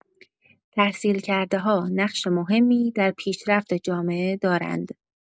تحصیل‌کرده‌ها نقش مهمی در پیشرفت جامعه دارند.